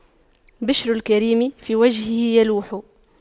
بِشْرُ الكريم في وجهه يلوح